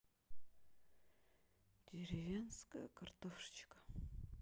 деревенская картошечка